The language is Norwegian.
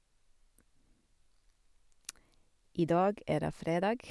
I dag er det fredag.